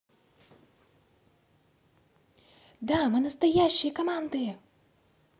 да мы настоящие команды